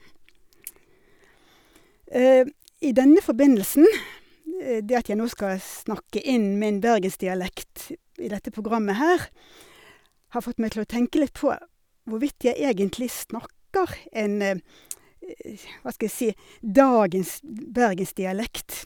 I denne forbindelsen, det at jeg nå skal snakke inn min bergensdialekt i dette programmet her, har fått meg til å tenke litt på hvorvidt jeg egentlig snakker en, ja, hva skal jeg si, dagens bergensdialekt.